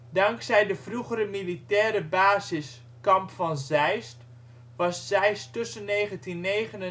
Dankzij de vroegere militaire basis Kamp van Zeist was Zeist tussen 1999 en